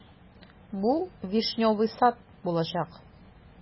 Бу "Вишневый сад" булачак.